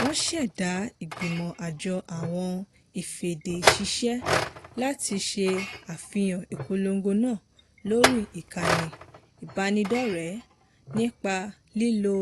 Wọ́n ń ṣẹ̀dá ìgbìmọ̀ àjọ àwọn afèdèṣiṣẹ́ láti lè ṣe àfihàn ìpolongo náà lórí ìkànnì ìbánidọ́rẹ̀ẹ́ nípa lílo